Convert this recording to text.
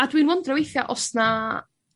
a dwi'n wyndro weithia' o's 'na